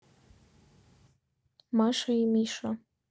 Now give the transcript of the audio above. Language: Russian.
маша и миша